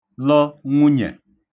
lə̣ nwunyẹ̀